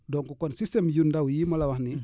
donc kon système yu ndaw yii ma la wax nii